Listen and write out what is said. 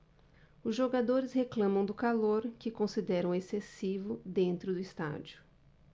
os jogadores reclamam do calor que consideram excessivo dentro do estádio